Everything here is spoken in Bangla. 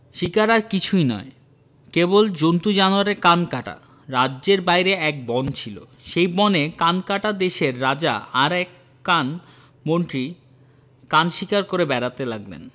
শিকার আর কিছুই নয় কেবল জন্তু জানোয়ারের কান কাটা রাজ্যের বাইরে এক বন ছিল সেই বনে কানকাটা দেশের রাজা আর এক কান মন্ত্রী কান শিকার করে বেড়াতে লাগলেন